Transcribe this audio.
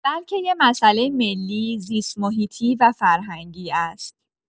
بلکه یک مسئلۀ ملی، زیست‌محیطی و فرهنگی است.